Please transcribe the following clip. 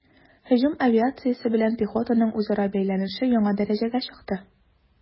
Һөҗүм авиациясе белән пехотаның үзара бәйләнеше яңа дәрәҗәгә чыкты.